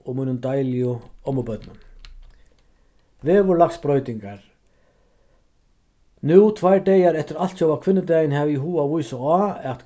og mínum deiligu ommubørnum veðurlagsbroytingar nú tveir dagar eftir altjóða kvinnudagin havi eg hug at vísa á at